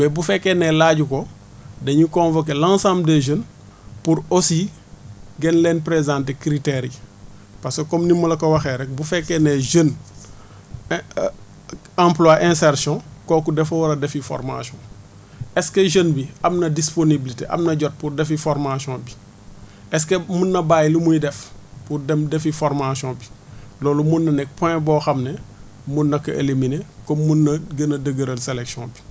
mais bu fekkee ne laaju ko dañu convoqué l' ensemeble des jeunes pour aussi gën leen présenter critères yi parce que comme ni ma la ko waxee rek bu fekkee ne jeune emploie insertion kooku dafa war a defi formation est ce jeune bi am na disponibilité am na jot pour defi formation bi est ce que mun na bàyyi lu muy def pour dem defi formation bi loolu mun na nekk point boo xam ne mën na ko éliminer comme mun na gën a dëgëral sellection bi